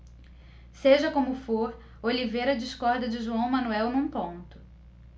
seja como for oliveira discorda de joão manuel num ponto